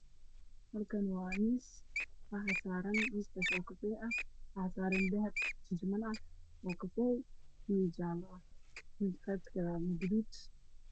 Hal kaan waa miis waxaa kor saaran dahab